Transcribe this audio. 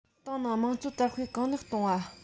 ཏང ནང དམངས གཙོ དར སྤེལ གང ལེགས གཏོང བ